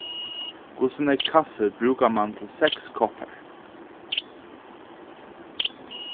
hvussu nógv kaffi brúkar mann til seks koppar